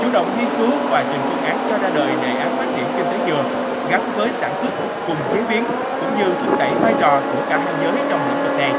chủ động nghiên cứu và trình phương án cho ra đời đề án phát triển kinh tế dừa gắn với sản xuất cùng chế biến cũng như thúc đẩy vai trò của cả hai giới trong lĩnh vực này